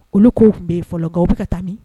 Olu' tun bɛ yen fɔlɔkaw bɛ ka taami